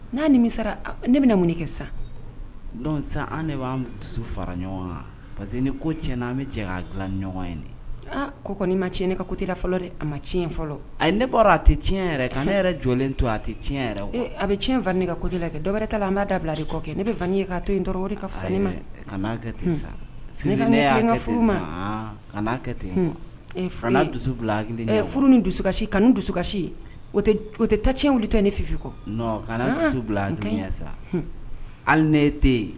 N'a ni misa ne bɛna mun kɛ san don san an de b'an dusu fara ɲɔgɔn parce que ni ko ti na an bɛ jɛ k' dilan ɲɔgɔn ye aa ko kɔni ma ti ne ka kotila fɔlɔ dɛ a ma ti fɔlɔ ne bɔra a tɛ ti yɛrɛ ka ne yɛrɛ jɔlen to a tɛ ti yɛrɛ a bɛ tiɲɛn fan ne ka koti la kɛ dɔwɛrɛ ta an b' dabila de kɔ kɛ ne bɛ fai ye ka to yen dɔrɔn ka fisa ne ma furu ma ten e dusu furu ni dusukasi ka nin dusukasi o tɛ ta ti wili tɛ ne fi kɔ kana dusu sa hali ne tɛ yen